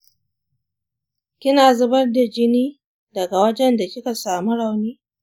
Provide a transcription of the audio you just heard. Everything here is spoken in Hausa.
kina zubar da jini daga wajen da kika samu rauni